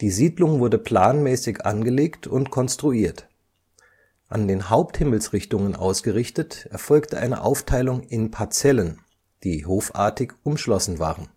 Siedlung wurde planmäßig angelegt und konstruiert. An den Haupthimmelsrichtungen ausgerichtet erfolgte eine Aufteilung in Parzellen, die hofartig umschlossen waren